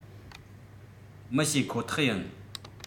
མི ཤེས ཁོ ཐག ཡིན